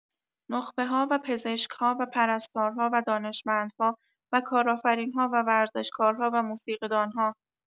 نخبه‌ها و پزشک‌ها و پرستارها و دانشمندها و کارآفرین‌ها و ورزشکارها و موسیقی دان‌ها